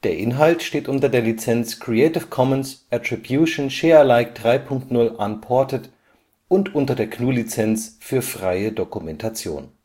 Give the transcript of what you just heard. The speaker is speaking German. Inhalt steht unter der Lizenz Creative Commons Attribution Share Alike 3 Punkt 0 Unported und unter der GNU Lizenz für freie Dokumentation